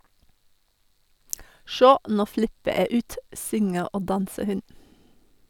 - Sjå, no flippe æ ut, synger og danser hun.